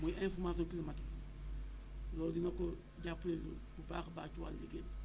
mooy information climatique loolu dina ko jàppale bu baax a baax ci wàllu liggéey bi